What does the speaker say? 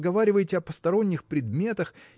разговариваете о посторонних предметах